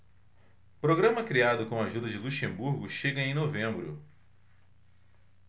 programa criado com a ajuda de luxemburgo chega em novembro